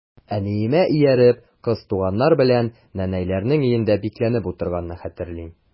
Әниемә ияреп, кыз туганнар белән нәнәйләрнең өендә бикләнеп утырганны хәтерлим.